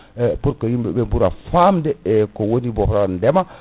e pour que yimɓeɓe ɓuura famde kowoni bon ndeema